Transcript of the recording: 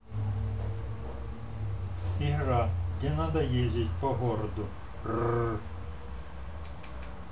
игра где надо ездить по городу ppp